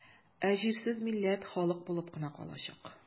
Ә җирсез милләт халык булып кына калачак.